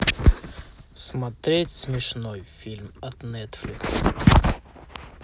смотреть смешной фильм от нетфликс